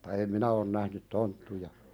mutta en minä on nähnyt tonttuja